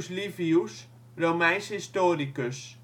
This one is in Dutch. Livius, Romeins historicus